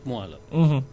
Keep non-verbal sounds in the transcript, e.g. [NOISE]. [HESITATION] [HESITATION]